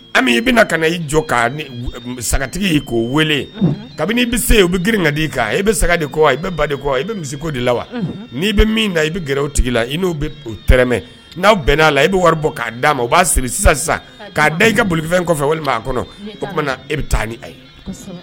I bɛna ka na i jɔ k' sagatigi k'o weele kabini i bɛ se u bɛ gri ka d'i kan bɛ saga de kɔ i bɛ ba de kɔ i bɛ misi ko de la wa ni bɛ min na i bɛ gɛrɛ o tigi la i n' tɛmɛ n'a bɛn' la i bɛ wari bɔ k' d'a ma o b'a siri sisan sisan k'a da i ka bolifɛn kɔfɛ walima'a kɔnɔ o e bɛ taa ni a ye